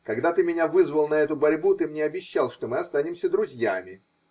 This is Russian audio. Когда ты меня вызвал на эту борьбу, ты мне обещал, что мы останемся друзьями